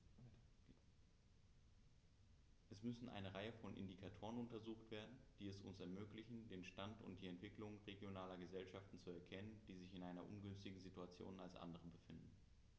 Es müssen eine Reihe von Indikatoren untersucht werden, die es uns ermöglichen, den Stand und die Entwicklung regionaler Gesellschaften zu erkennen, die sich in einer ungünstigeren Situation als andere befinden.